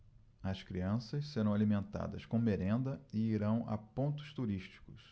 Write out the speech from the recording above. as crianças serão alimentadas com merenda e irão a pontos turísticos